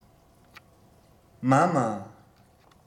མཱ མཱ